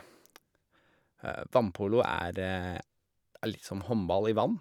Vannpolo, er det er litt som håndball i vann.